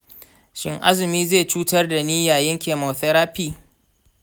shin azumi zai cutar da ni yayin chemotherapy?